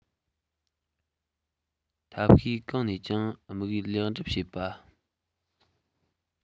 ཐབས ཤེས གང ནས ཀྱང དམིགས ཡུལ ལེགས སྒྲུབ བྱེད པ